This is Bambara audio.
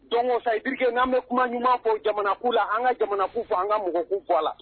Don bike n anan bɛ kuma ɲuman fɔ jamana'u la an ka jamana'u fɔ an ka mɔgɔ'u fɔ a la